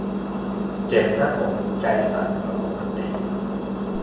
เจ็บหน้าอกใจสั่นกว่าปกติ